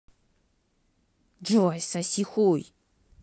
джой соси хуй